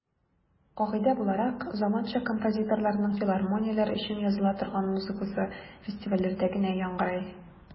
Кагыйдә буларак, заманча композиторларның филармонияләр өчен языла торган музыкасы фестивальләрдә генә яңгырый.